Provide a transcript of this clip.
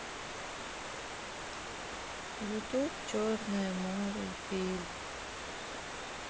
ютуб черное море фильм